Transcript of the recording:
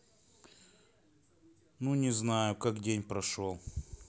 ну не знаю как день прошел